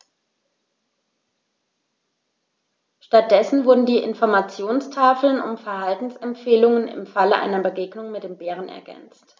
Stattdessen wurden die Informationstafeln um Verhaltensempfehlungen im Falle einer Begegnung mit dem Bären ergänzt.